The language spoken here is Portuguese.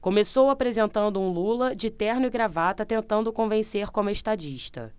começou apresentando um lula de terno e gravata tentando convencer como estadista